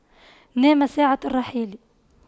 نام ساعة الرحيل